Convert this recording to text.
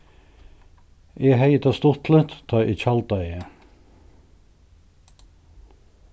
eg hevði tað stuttligt tá eg tjaldaði